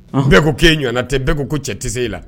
Bɛ ko k'e ɲɔgɔnna tɛ yen, bɛɛ ko ko cɛ tɛ se la.